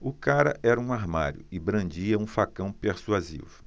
o cara era um armário e brandia um facão persuasivo